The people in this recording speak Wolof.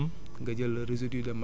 nga def ci couche